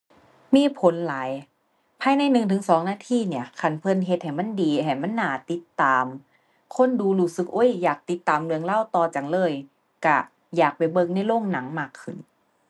มีผลหลายภายในหนึ่งถึงสองนาทีเนี่ยคันเพิ่นเฮ็ดให้มันดีให้มันน่าติดตามคนดูรู้สึก โอ๊ย อยากติดตามเรื่องราวต่อจังเลยก็อยากไปเบิ่งในโรงหนังมากขึ้น